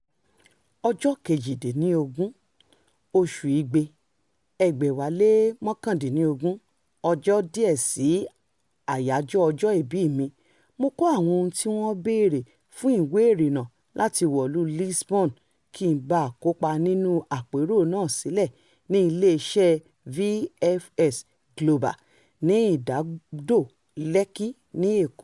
Lọ́jọ́ 18 oṣù Igbe, 2019, ọjọ́ díẹ̀ sí àyájọ́ ọjọ́ ìbíì mi, mo kó àwọn ohun tí wọn béèrè fún ìwé ìrìnnà láti wọ̀lúu Lisbon ki n ba kópa nínúu àpérò náà sílẹ̀ ní ilé-iṣẹ́ẹ VFS Global ní ìdádò Lekki, ní Èkó.